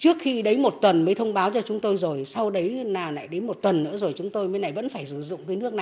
trước khi đấy một tuần mới thông báo cho chúng tôi rồi sau đấy là lại đến một tuần nữa rồi chúng tôi mới lại vẫn phải sử dụng cái nước